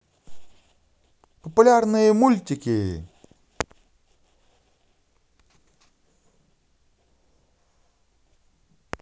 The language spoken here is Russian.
популярные мультики